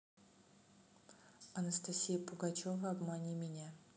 анастасия пугачева обмани меня